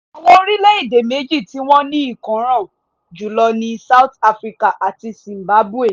Àwọn orílẹ̀-èdè méjì tí wọ́n ní ìkóràn jùlọ ni South Africa àti Zimbabwe.